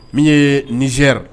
Min yee Niger